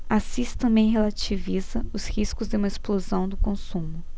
assis também relativiza os riscos de uma explosão do consumo